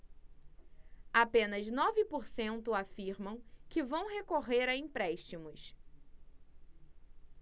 apenas nove por cento afirmam que vão recorrer a empréstimos